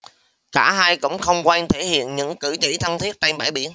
cả hai cũng không quên thể hiện những cử chỉ thân thiết trên bãi biển